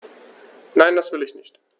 Nein, das will ich nicht.